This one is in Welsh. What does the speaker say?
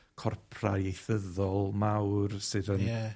corpra ieithyddol mawr sydd yn... Ie.